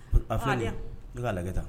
A fana yan i k'a lajɛge taa